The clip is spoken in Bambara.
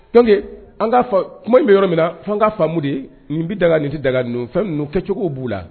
Donc an ka fɔ kuma in bɛ yɔrɔ min na fo an ka faamu de, n bɛ daga nin tɛ daga ni fɛn ninnu kɛcogo b'u la